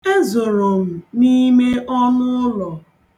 E zoro m n'ime ọnụụlọ.